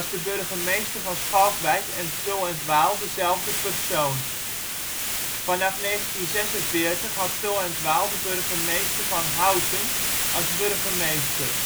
de burgemeester van Schalkwijk en Tull en ' t Waal dezelfde persoon. Vanaf 1946 had Tull en ' t Waal de burgemeester van Houten als burgemeester